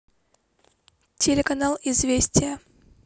телеканал известия